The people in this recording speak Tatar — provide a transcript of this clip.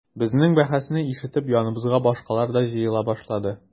Безнең бәхәсне ишетеп яныбызга башкалар да җыела башлады.